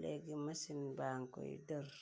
legi masin bankoy dehrr.